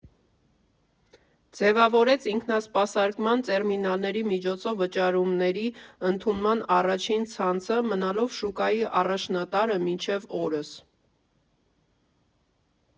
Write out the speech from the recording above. Ձևավորեց ինքնասպասարկման տերմինալների միջոցով վճարումների ընդունման առաջին ցանցը՝ մնալով շուկայի առաջատարը մինչև օրս։